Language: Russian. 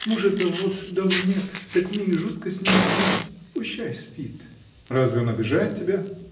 Мужа-то вот дома нет, так мне и жутко с ним одной. Пущай спит! — Разве он обижает тебя?